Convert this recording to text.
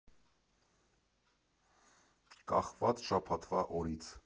Կախված շաբաթվա օրից։